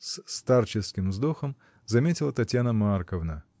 — с старческим вздохом заметила Татьяна Марковна.